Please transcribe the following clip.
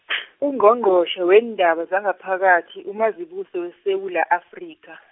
Ungqongqotjhe weendaba zangaphakathi, uMazibuse weSewula Afrika.